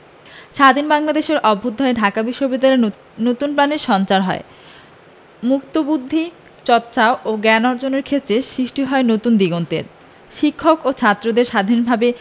স্বাধীন বাংলাদেশের অভ্যুদয়ে ঢাকা বিশ্ববিদ্যালয়ে নতুন প্রাণের সঞ্চার হয় মুক্তবুদ্ধি চর্চা ও জ্ঞান অর্জনের ক্ষেত্রে সৃষ্টি হয় নতুন দিগন্তের শিক্ষক ও ছাত্রদের স্বাধীনভাবে